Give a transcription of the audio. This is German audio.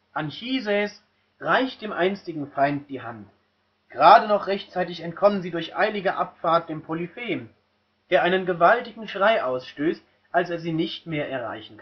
Anchises reicht dem einstigen Feind die Hand. Gerade noch rechtzeitig entkommen sie durch eilige Abfahrt dem Polyphem, der einen gewaltigen Schrei ausstößt, als er sie nicht mehr erreichen